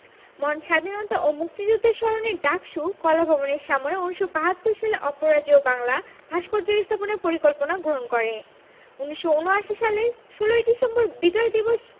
মহান স্বাধীনতা ও মুক্তিযুদ্ধের স্মরণে ডাকসু কলাভবনের সামনে ১৯৭২ সালে অপরাজেয় বাংলা ভাস্কর্য স্থাপনের পরিকল্পনা গ্রহণ করে ১৯৭৯ সালের ১৬ ডিসেম্বর বিজয় দিবস